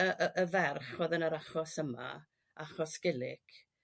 yrr y y ferch o'dd yn yr achos yma. Achos Gilic.